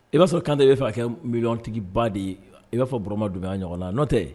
I b'a sɔrɔ kan bɛ fɛ kɛ mitigiba de ye i b'a fɔ bɔrɔma dunya ɲɔgɔn na n nɔo tɛ